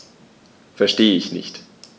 Verstehe nicht.